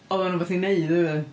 Oedd o'n wbath i wneud hefyd oedd.